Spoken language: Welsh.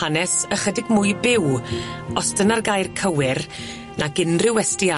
hanes ychydig mwy byw os dyna'r gair cywir nag unrhyw westy